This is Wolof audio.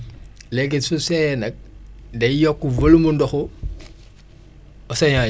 léegi su seeyee nag day yokku volume mu ndoxu océeans yi